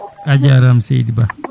a jarama seydi Ba